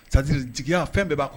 Sadiri jigiya fɛn b'a kuwa